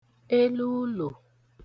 eluulò